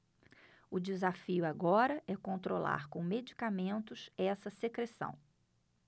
o desafio agora é controlar com medicamentos essa secreção